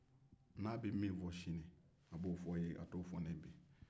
n'a bɛ min fɔ sinin a b'o fo e ye a t'o fo ne ye